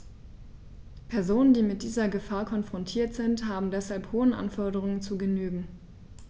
Personen, die mit dieser Gefahr konfrontiert sind, haben deshalb hohen Anforderungen zu genügen.